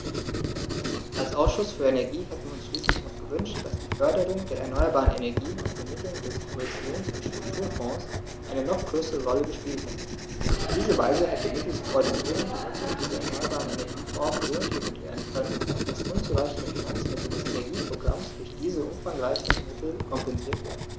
Als Ausschuss für Energie hätten wir uns schließlich noch gewünscht, dass die Förderung der erneuerbaren Energien aus den Mitteln des Kohäsions- und Strukturfonds eine noch größere Rolle gespielt hätte. Auf diese Weise hätte mittels Koordinierung die Nutzung dieser erneuerbaren Energieformen so entwickelt werden können, dass unzureichende Finanzmittel des Energieprogramms durch diese umfangreicheren Mittel kompensiert werden.